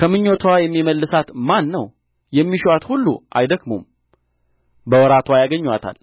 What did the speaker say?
ከምኞትዋ የሚመልሳት ማን ነው የሚሹአት ሁሉ አይደክሙም በወራትዋ ያገኙአታል